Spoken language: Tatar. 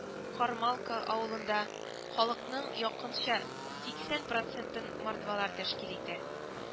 Мордва Кармалка авылында халыкның якынча сиксэн процентын мордвалар тәшкил итә